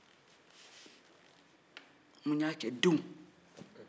mun y'a kɛ denw